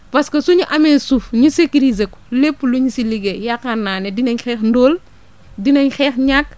parce que suñu amee suuf ñu sécuriser ko lépp luñ si liggéey yaakaar naa ne dinañ xeex ndóol dinañ xeex ñàkk